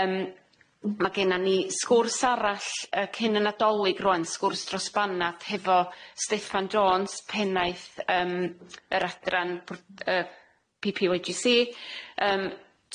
yym ma' gennon ni sgwrs arall yy cyn y Nadolig rŵan, sgwrs dros Banad hefo Stefan Jones pennaeth yym yr adran pwr- yy Pee Pee Wye Gee See yym,